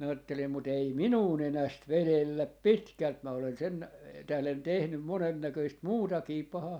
minä ajattelin mutta ei minua nenästä vedellä pitkälti minä olen sen tähden tehnyt monennäköistä muutakin pahaa